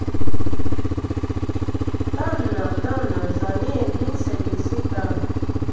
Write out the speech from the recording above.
Տանն ա, տանը, զալի էն հին սերվիսի տակ…